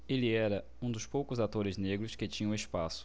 ele era um dos poucos atores negros que tinham espaço